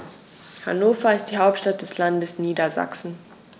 Hannover ist die Hauptstadt des Landes Niedersachsen.